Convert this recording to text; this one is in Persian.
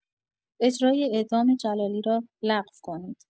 اجرای اعدام جلالی را لغو کنید.